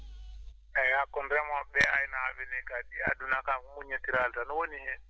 eeyi hakkunde remooɓe ɓee e aynaaɓe ɓee kadi aduna kam ko muñitiral tan woni heen